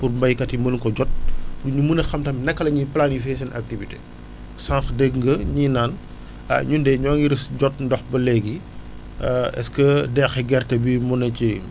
pour béykat yi mën ko jot pour mun a xam tamit naka lañuy planifier seen activité sànq dégg nga ñii naan ah ñun de ñoo ni rece jot ndox ba léegi est ce que deqi gerte bi mun a kii